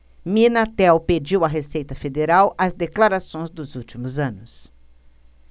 minatel pediu à receita federal as declarações dos últimos anos